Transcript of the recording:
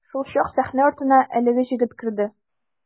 Шулчак сәхнә артына әлеге җегет керде.